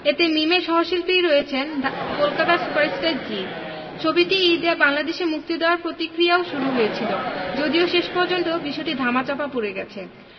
এতে মিমের সহশিল্পী রয়েছেন কলকাতার সুপারস্টার জিৎ ছবিটি ঈদে বাংলাদেশে মুক্তি দেয়ার প্রতিক্রিয়াও শুরু হয়েছিল যদিও শেষ পর্যন্ত বিষয়টি ধামাচাপা পড়ে গেছে